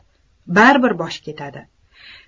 bari bir boshi ketadi